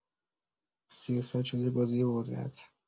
سیاست شده بازی قدرت.